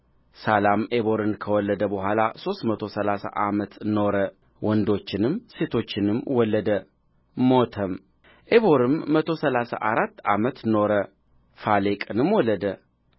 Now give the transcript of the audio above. ሳላም ዔቦርን ከወለደ በኋላ ሦስት መቶ ሠላሳ ዓመት ኖረ ወንዶችንም ሴቶችንም ወለደ ሞተም ዔቦርም መቶ ሠላሳ አራት ዓመት ኖረ ፋሌቅንም ወለደ